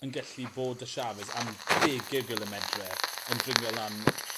yn gallu fod 'dy Chaves am dege o gilomedre yn dringo lan